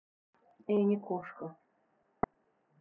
я не кошка